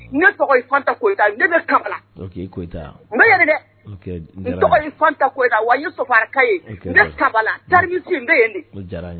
Ne tɔgɔ ye Fanta Koyita ne Kabala, ok i Koyita, n bɛ ye de dɛ, n tɔgɔ ye Fanta Koyita wa n ye Sofara ka ye, n bɛ Kabala, terminus n bɛ ye de, o diyar’an ye